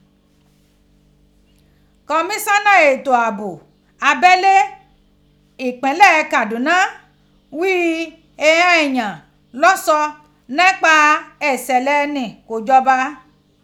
Kọmiṣọnaa eto abo abẹle ipinlẹ Kaduna ghii ighan eeyan lo sọ nipa iṣẹlẹ ni ko ijọba.